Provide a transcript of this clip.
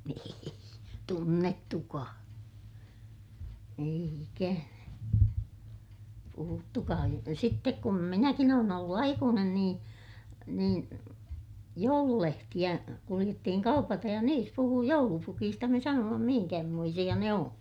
ei tunnettukaan ei ikänä puhuttukaan mutta sitten kun minäkin olen ollut aikuinen niin niin joululehtiä kuljettiin kaupaten ja niissä puhui joulupukista me sanoimme minkämoisia ne on